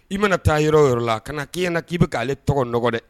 I mana taa yɔrɔ yɔrɔ la ka na k'i ɲɛna na k'i bɛ k'ale tɔgɔ nɔgɔ dɛ